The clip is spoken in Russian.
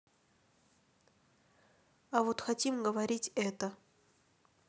а вот хотим говорить это